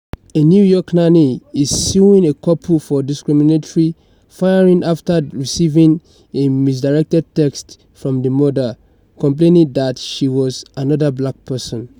A New York nanny is suing a couple for discriminatory firing after receiving a misdirected text from the mother complaining that she was "another black person."